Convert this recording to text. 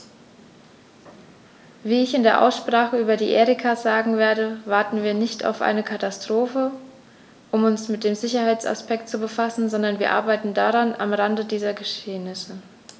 Wie ich in der Aussprache über die Erika sagen werde, warten wir nicht auf eine Katastrophe, um uns mit dem Sicherheitsaspekt zu befassen, sondern wir arbeiten daran am Rande dieser Geschehnisse.